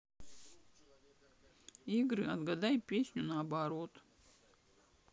игры отгадай песню наоборот